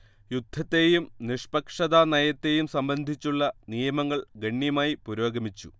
യുദ്ധത്തെയും നിഷ്പക്ഷതാനയത്തെയും സംബന്ധിച്ചുള്ള നിയമങ്ങൾ ഗണ്യമായി പുരോഗമിച്ചു